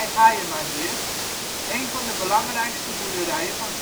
Hayemaheerd, een van de belangrijkste boerderijen